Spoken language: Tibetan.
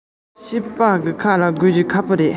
བུད མེད ཁ ལ དགོས པ འཛུམ མདངས ཟེར